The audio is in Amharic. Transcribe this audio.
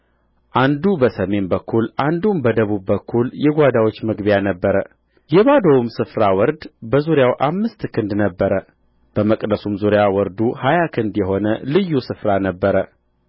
አንዱ በሰሜን በኩል አንዱም በደቡብ በኩል የጓዳዎች መግቢያ ነበረ የባዶውም ስፍራ ወርድ በዙሪያ አምስት ክንድ ነበረ በመቅደሱም ዙሪያ ወርዱ ሀያ ክንድ የሆነ ልዩ ስፍራ ነበረ